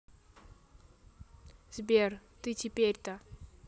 сбер ты теперь то